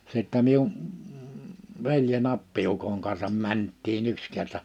sitten minun veljeni appiukon kanssa mentiin yksi kerta